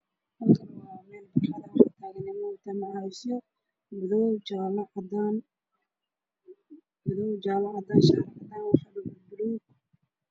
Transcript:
Waa meel banaan waxaa iskugu imaaday niman